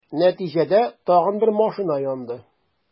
Нәтиҗәдә, тагын бер машина янды.